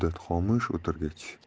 bir muddat xomush o'tirgach